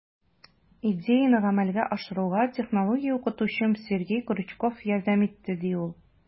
Идеяне гамәлгә ашыруга технология укытучым Сергей Крючков ярдәм итте, - ди ул.